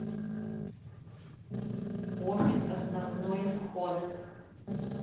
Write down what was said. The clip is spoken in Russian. офис основной вход